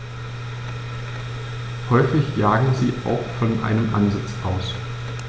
Häufig jagen sie auch von einem Ansitz aus.